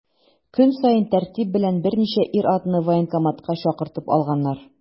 Көн саен тәртип белән берничә ир-атны военкоматка чакыртып алганнар.